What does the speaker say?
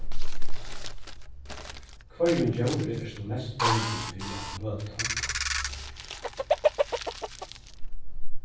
hvørjum djóri ert tú mest bangin fyri at møta